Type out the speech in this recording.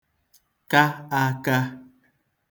ka ākā